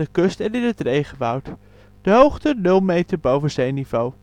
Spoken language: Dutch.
kust, regenwoud Hoogte: 0 meter boven zeeniveau